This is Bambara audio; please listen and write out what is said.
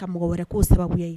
Ka mɔgɔ wɛrɛ ko sababu ye